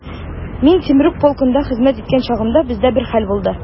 Мин Темрюк полкында хезмәт иткән чагымда, бездә бер хәл булды.